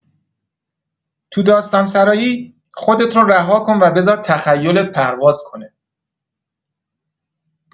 تو داستان‌سرایی خودت رو رها کن و بذار تخیلت پرواز کنه.